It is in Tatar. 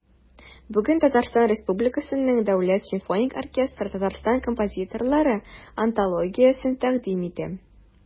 Бүген ТР Дәүләт симфоник оркестры Татарстан композиторлары антологиясен тәкъдим итә.